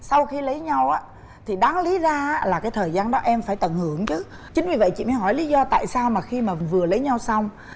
sau khi lấy nhau á thì đáng lý ra là cái thời gian đó em phải tận hưởng chứ chính vì vậy chị mới hỏi lý do tại sao mà khi mà vừa lấy nhau xong